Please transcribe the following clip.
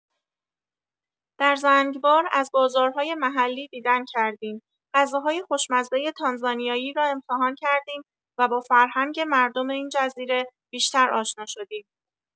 در زنگبار، از بازارهای محلی دیدن کردیم، غذاهای خوشمزۀ تانزانیایی را امتحان کردیم و با فرهنگ مردم این جزیره بیشتر آشنا شدیم.